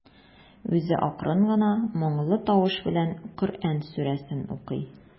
Үзе акрын гына, моңлы тавыш белән Коръән сүрәсен укый.